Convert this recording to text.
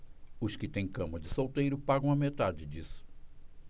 os que têm cama de solteiro pagam a metade disso